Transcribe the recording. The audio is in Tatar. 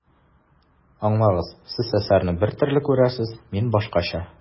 Аңлагыз, Сез әсәрне бер төрле күрәсез, мин башкача.